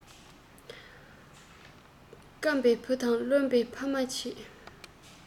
སྐམ པ བུ དང རློན པ ཕ མས བྱེད